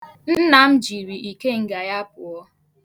Nna m jiri ikenga ya pụọ.